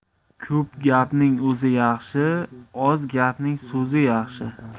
ko'p gapning ozi yaxshi oz gapning sozi yaxshi